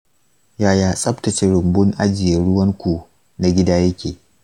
yaya tsabtace rumbun ajiye ruwan ku na gida yake?